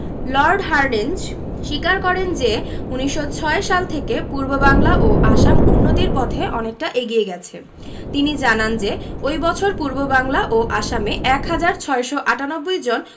Lord Hardinge স্বীকার করেন যে ১৯০৬ সাল থেকে পূর্ববাংলা ও আসাম উন্নতির পথে অনেকটা এগিয়ে গেছে তিনি জানান যে ওই বছর পূর্ববাংলা ও আসামে ১ হাজার ৬৯৮ জন